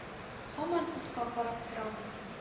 Һаман утка карап торам.